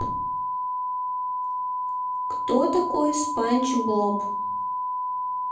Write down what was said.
кто такой спанч боб